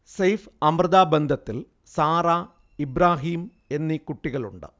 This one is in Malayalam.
സെയ്ഫ്-അമൃത ബന്ധത്തിൽ സാറ, ഇബ്രാഹീം എന്നീ കുട്ടികളുണ്ട്